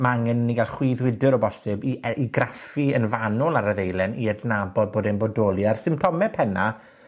ma' angen i ni ga'l chwyddwydr, o bosib, i e- i graffu yn fanwl ar y ddeilen i adnabod bod en bodoli, ar symtome penna